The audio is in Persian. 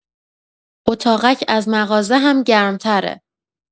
اتاقک از مغازه هم گرم‌تره.